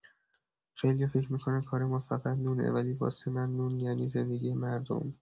خیلیا فکر می‌کنن کار ما فقط نونه، ولی واسه من نون یعنی زندگی مردم.